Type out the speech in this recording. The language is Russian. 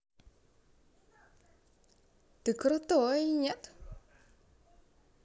ты крутой нет